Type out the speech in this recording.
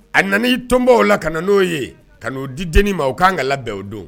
A nan tonbaw la ka n'o ye ka n'o di deninin ma u ka kan ka labɛn bɛn o don